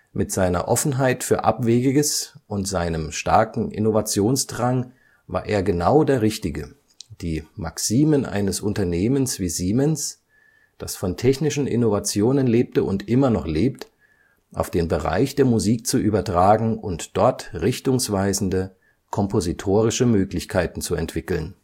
Mit seiner Offenheit für Abwegiges und seinem starken Innovationsdrang war er genau der Richtige, die Maximen eines Unternehmens wie Siemens, das von technischen Innovationen lebte und immer noch lebt, auf den Bereich der Musik zu übertragen und dort richtungsweisende kompositorische Möglichkeiten zu entwickeln